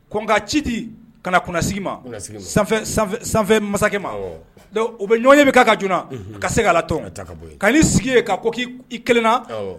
Kɔn ka ci di ka kunsigi ma, sanfɛ sanfɛ masakɛ ma, awɔ, donc o bɛ ɲɔgɔnye bɛ k'a kan joona, unhun, ka se k'a latɔn, a ta ka bɔ yen, ka n'i sigi ka ko k'i kelenna, awɔ